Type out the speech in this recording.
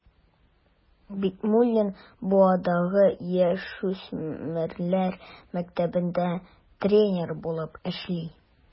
Бикмуллин Буадагы яшүсмерләр мәктәбендә тренер булып эшли.